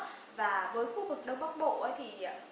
và với khu vực đông bắc bộ ấy